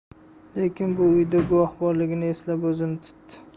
lekin bu uyda guvoh borligini eslab o'zini tutdi